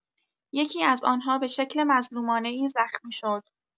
یکی‌از آنها به شکل مظلومانه‌ای زخمی شد.